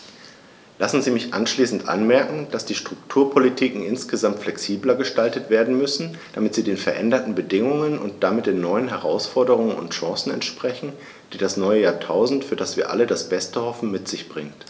Lassen Sie mich abschließend anmerken, dass die Strukturpolitiken insgesamt flexibler gestaltet werden müssen, damit sie den veränderten Bedingungen und damit den neuen Herausforderungen und Chancen entsprechen, die das neue Jahrtausend, für das wir alle das Beste hoffen, mit sich bringt.